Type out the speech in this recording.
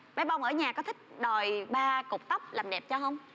bé bông ở nhà có thích đòi ba cột tóc làm đẹp cho hông